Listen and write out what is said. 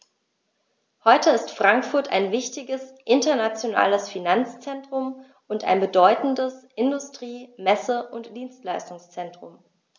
Heute ist Frankfurt ein wichtiges, internationales Finanzzentrum und ein bedeutendes Industrie-, Messe- und Dienstleistungszentrum.